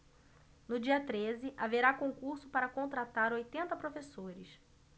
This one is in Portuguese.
no dia treze haverá concurso para contratar oitenta professores